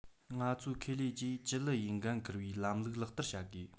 ང ཚོའི ཁེ ལས ཀྱིས ཅིན ལི ཡིས འགན ཁུར བའི ལམ ལུགས ལག བསྟར བྱ དགོས